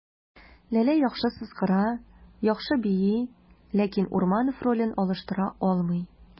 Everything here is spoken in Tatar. Ләлә яхшы сызгыра, яхшы бии, ләкин Урманов ролен алыштыра алмый.